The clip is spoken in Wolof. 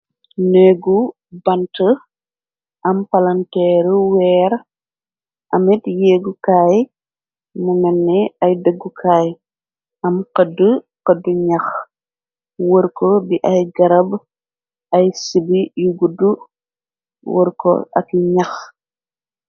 neegu bant am palanteeru weer amit yéegukaay mu nenne ay dëggukaay am xëdd xëddu ñax wër ko bi ay garab ay sibi yu gudd wër ko ak li ñax